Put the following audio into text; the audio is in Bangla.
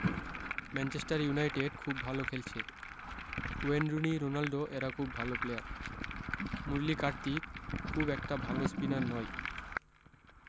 মেঞচেস্টার ইউনাইটেড খুব ভালো খেলছে ওয়েন রুনি রোনাল্ড এরা খুব ভালো প্লেয়ার মুরলী কার্তিক খুব একটা ভালো স্পিনার নয়